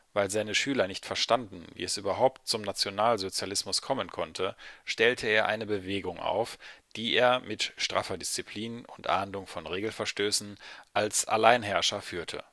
Weil seine Schüler nicht verstanden, wie es überhaupt zum Nationalsozialismus kommen konnte, stellte er eine „ Bewegung “auf, die er mit straffer Disziplin und Ahndung von Regelverstößen als Alleinherrscher führte